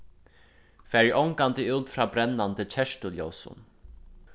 farið ongantíð út frá brennandi kertuljósum